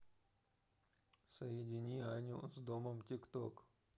соедини аню с домом тик ток